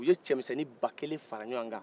u ye cɛmisɛni ba kelen fara ɲɔgɔn kan